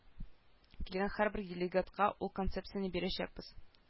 Килгән һәрбер делегатка ул концепцияне бирәчәкбез